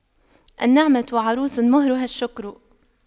النعمة عروس مهرها الشكر